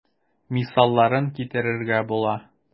Мисалларын китерергә була.